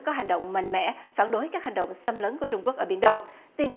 có hành động mạnh mẽ phản đối các hành động xâm lấn của trung quốc ở biển đông tiên